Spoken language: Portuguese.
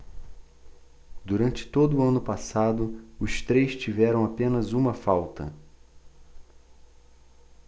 durante todo o ano passado os três tiveram apenas uma falta